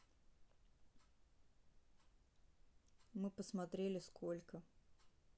мы посмотрели сколько